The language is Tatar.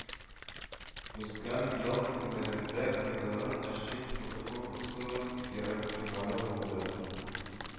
Узган ял көннәрендә Казанның Ачык фотоконкурсының ярымфиналы булды